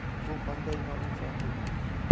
bu qanday noinsoflik